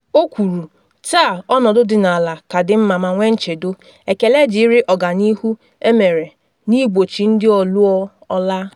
O kwuru “taa ọnọdụ dị n’ala ka dị mma ma nwee nchedo, ekele dịịrị ọganihu emere na igbochi ndị ọlụọ ọlaa,”.